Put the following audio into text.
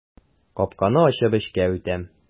Капканы ачып эчкә үтәм.